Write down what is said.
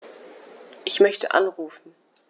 Ich möchte anrufen.